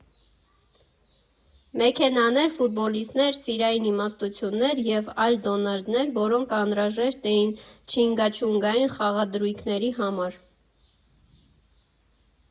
Մեքենաներ, ֆուտբոլիստներ, սիրային իմաստություններ և այլ դոնալդներ, որոնք անհրաժեշտ էին չինգաչունգային խաղադրույքների համար։